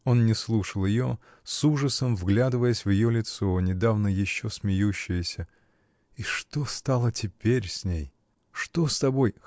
Он не слушал ее, с ужасом вглядываясь в ее лицо, недавно еще смеющееся. И что стало теперь с ней! “Что с тобой?.